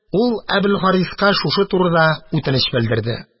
Ул Әбелхариска шушы турыда үтенеч белдерде